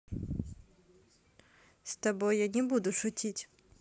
с тобой я не буду шутить